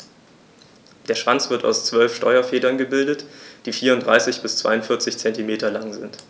Der Schwanz wird aus 12 Steuerfedern gebildet, die 34 bis 42 cm lang sind.